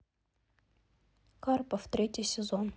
карпов третий сезон